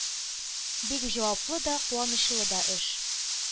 – бик җаваплы да, куанычлы да эш.